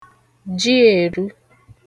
jièru